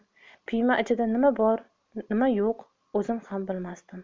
piyma ichida nima bor nima yo'q o'zim ham bilmasdim